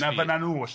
Na fynnan nhw, 'lly.